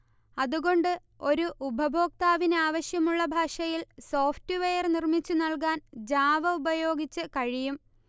അത് കൊണ്ട് ഒരു ഉപയോക്താവിനാവശ്യമുള്ള ഭാഷയിൽ സോഫ്റ്റ്വെയർ നിർമ്മിച്ചു നൽകാൻ ജാവ ഉപയോഗിച്ചു കഴിയും